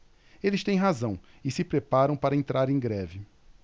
eles têm razão e se preparam para entrar em greve